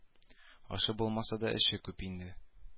Ашы булмаса да эше күп иде